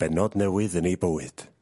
bennod newydd yn ei bywyd.